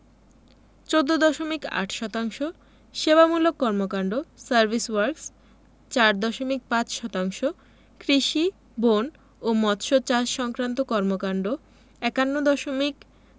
১৪দশমিক ৮ শতাংশ সেবামূলক কর্মকান্ড সার্ভিস ওয়ার্ক্স ৪ দশমিক ৫ শতাংশ কৃষি বন ও মৎসচাষ সংক্রান্ত কর্মকান্ড ৫১ দশমিক